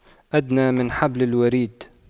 أدنى من حبل الوريد